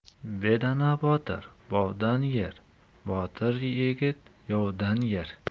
bedana botir bovdan yer botir yigit yovdan yer